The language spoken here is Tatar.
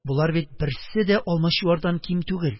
Болар бит берсе дә Алмачуардан ким түгел!